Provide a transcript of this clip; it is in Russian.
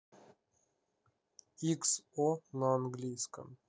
икс о на английском